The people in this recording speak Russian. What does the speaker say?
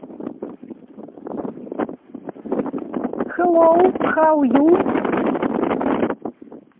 hello how you